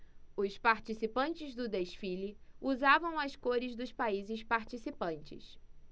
os participantes do desfile usavam as cores dos países participantes